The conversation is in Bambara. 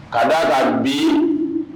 Ka da bin